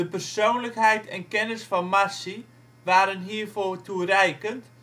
persoonlijkheid en kennis van Marci waren hiervoor toereikend